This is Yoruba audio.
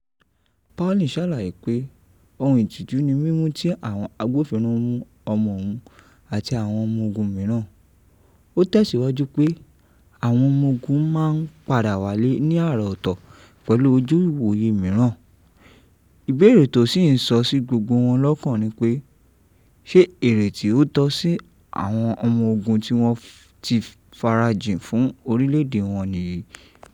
Palin ṣàlàyé pé ohun ìtìjú ni mímú tí àwọn agbófinró mú ọmọ òun àti àwọn ọmọ ogun mìíràn. Ó tẹ̀síwájú pé àwọn ọmọ ogun máa ń padà wálé ní àrà ọ̀tọ̀ pẹ̀lú ojúúwòye mìíràn, ìbéèrè tó sì ń sọ sí gbogbo wọn lọ́kàn ni pé ṣe èrè tí ó tọ́ sí àwọn ọmọ ogun tí wọ́n ti farajìn fún orílẹ̀èdè wọn nìyí."